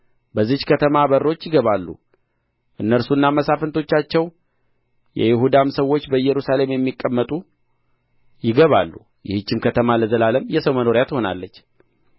በዚህች ከተማ በሮች ይገባሉ እነርሱና መሳፍንቶቻቸው የይሁዳም ሰዎች በኢየሩሳሌምም የሚቀመጡ ይገባሉ ይህችም ከተማ ለዘላለም የሰው መኖሪያ ትሆናለች